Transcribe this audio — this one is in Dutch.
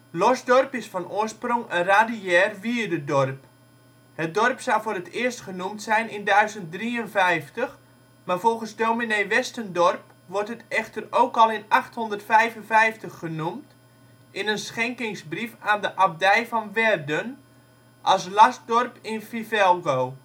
Losdorp is van oorsprong een radiair wierdedorp. Het dorp zou voor het eerst genoemd zijn in 1053, maar volgens dominee Westendorp wordt het echter ook al in 855 genoemd in een schenkingsbrief aan het Abdij van Werden als ' Lasdorp in Fivelgo